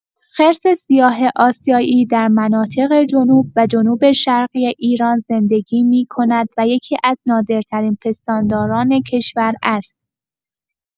خرس سیاه آسیایی در مناطق جنوب و جنوب‌شرقی ایران زندگی می‌کند و یکی‌از نادرترین پستانداران کشور است.